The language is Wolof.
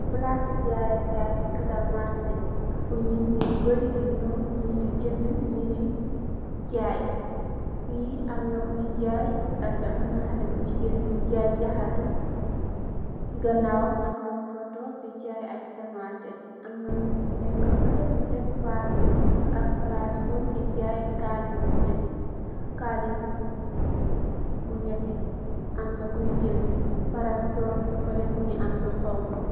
Palasi jayeekaay lekka mungi tuda marche. Nit yu barri di nyow nyi di jënda, nyi di jaaye. Fi amna kuy jaaye dalla, amna haleh bu jigeen büy jaaye jahat, ci ganawam amna kufa tok di jaaye ay tamate. Amna nyu neka feleh tekk pan bu ñuul ak potti wûn di jaaye kane bu neteh, amna kuy jënda. Palansur mung fa bu xonxo.